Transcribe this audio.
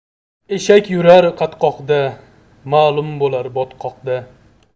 eshak yurar qatqoqda ma'lum bo'lar botqoqda